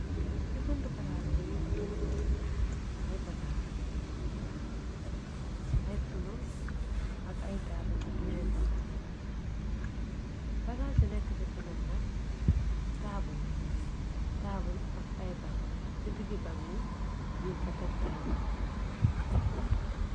Ci bënd pagaas bi më ngi am b ay puno ak ay taabal ak yereen bagaas bagaas yu nekk ci kanam nag taabll taabal ak ay ban ci diggi bangi ñum fa teg taawal bi.